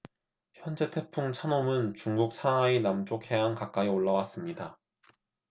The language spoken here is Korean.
현재 태풍 찬홈은 중국 상하이 남쪽 해안 가까이 올라왔습니다